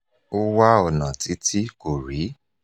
Ó wá ọ̀nà títí kò rí.